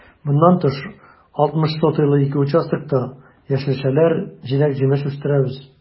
Моннан тыш, 60 сотыйлы ике участокта яшелчәләр, җиләк-җимеш үстерәбез.